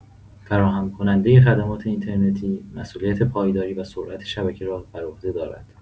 فراهم‌کنندۀ خدمات اینترنتی مسئولیت پایداری و سرعت شبکه را بر عهده دارد.